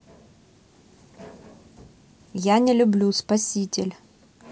я не люблю спаситель